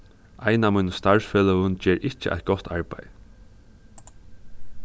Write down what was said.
ein av mínum starvsfeløgum ger ikki eitt gott arbeiði